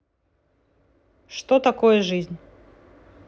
что такое жизнь